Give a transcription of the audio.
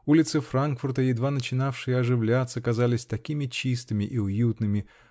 Улицы Франкфурта, едва начинавшие оживляться, казались такими чистыми и уютными